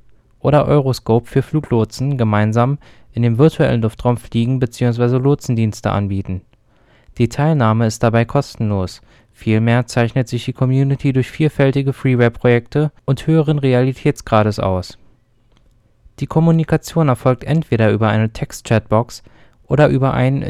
oder Euroscope (für Fluglotsen) gemeinsam in diesem virtuellen Luftraum fliegen bzw. Lotsendienste anbieten. Die Teilnahme ist dabei kostenlos, vielmehr zeichnet sich die Community durch vielfältige Freewareprojekte und höheren Realitätsgrades aus. Die Kommunikation erfolgt entweder über eine Text-Chatbox oder über ein